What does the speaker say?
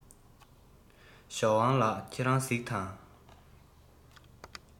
ཞའོ ཝང ལགས ཁྱེད རང གཟིགས དང